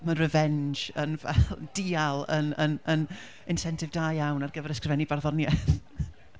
Mae'r revenge yn fel dial yn- yn- yn- incentive da iawn ar gyfer ysgrifennu barddoniaeth.